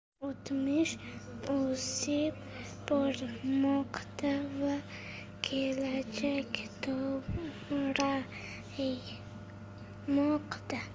o'tmish o'sib bormoqda va kelajak toraymoqda